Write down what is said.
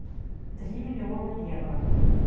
три миллиона евро